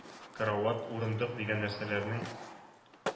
Карават, урындык дигән нәрсәләрнең